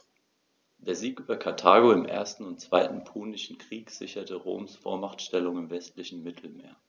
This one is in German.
Der Sieg über Karthago im 1. und 2. Punischen Krieg sicherte Roms Vormachtstellung im westlichen Mittelmeer.